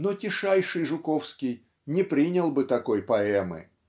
но тишайший Жуковский не принял бы такой поэмы